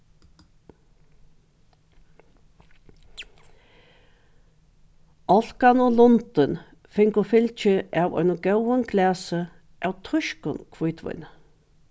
álkan og lundin fingu fylgi av einum góðum glasi av týskum hvítvíni